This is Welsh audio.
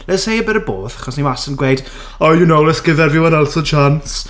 Let's say a bit of both achos ni wastad yn gweud Oh you know let's give everyone else a chance.